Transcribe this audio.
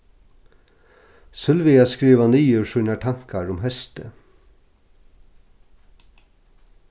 sylvia skrivar niður sínar tankar um heystið